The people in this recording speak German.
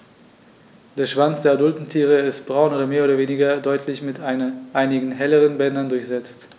Der Schwanz der adulten Tiere ist braun und mehr oder weniger deutlich mit einigen helleren Bändern durchsetzt.